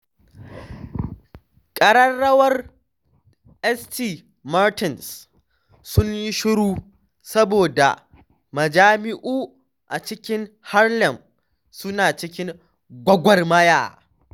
Ƙararrawar St. Martin's Sun yi Shiru Saboda Majami’u a cikin Harlem suna cikin Gwargwarmaya